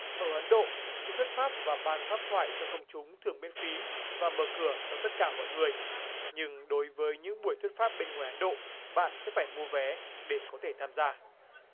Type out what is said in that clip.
ở ấn độ sự thuyết pháp và ban pháp thoại cho công chúng thường miễn phí và mở cửa cho tất cả mọi người nhưng đối với những buổi thuyết pháp bên ngoài ấn độ bạn sẽ phải mua vé để có thể tham gia